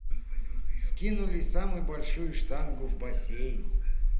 скинули самую большую штангу в бассейн